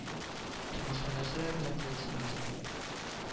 Тормышта нәрсәләр белән кызыксынасың